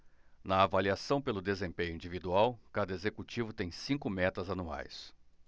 na avaliação pelo desempenho individual cada executivo tem cinco metas anuais